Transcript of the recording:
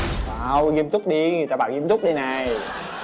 goao nghiêm túc đi tao bảo nghiêm túc đây nài